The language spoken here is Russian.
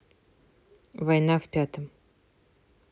война в пятом